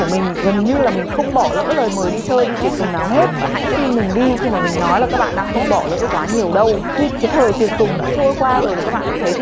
gần như là mình không bỏ lỡ lời mời đi chơi đi tiệc tùng nào hết và hãy tin mình đi khi mà mình nói là các bạn đang không bỏ lỡ quá nhiều đâu khi cái thời tiệc tùng đã trôi qua rồi thì các bạn sẽ thấy